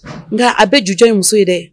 Nka a bɛ ju ye muso ye dɛ